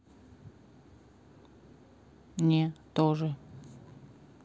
ne тоже